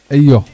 iyo